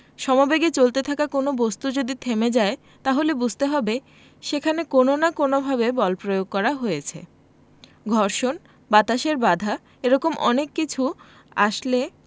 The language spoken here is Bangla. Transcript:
সমবেগে চলতে থাকা কোনো বস্তু যদি থেমে যায় তাহলে বুঝতে হবে সেখানে কোনো না কোনোভাবে বল প্রয়োগ করা হয়েছে ঘর্ষণ বাতাসের বাধা এ রকম অনেক কিছু আসলে